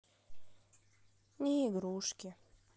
не игрушки